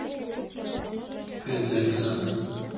cet александра